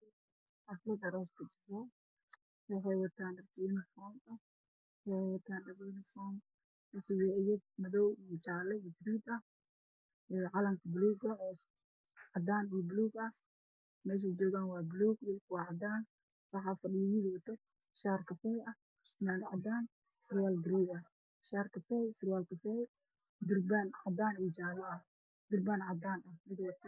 Meeshan waxaan ku arkaa niman iyo naago durbaan tumaayo waxay qabaan dhar midabkoodii ahayd jaalle madow calanka soomaaliyana way wataan